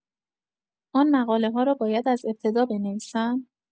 آن مقاله‌ها را باید از ابتدا بنویسم؟